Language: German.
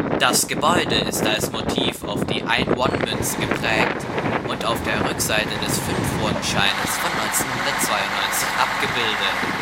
Das Gebäude ist als Motiv auf die 1-Won-Münze geprägt und auf der Rückseite des 5-Won-Scheines von 1992 abgebildet